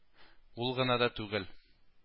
Ул гына да түгел